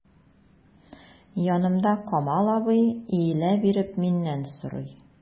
Янымда— Камал абый, иелә биреп миннән сорый.